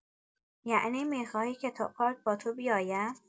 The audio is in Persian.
یعنی می‌خواهی که تا پارک با تو بیایم؟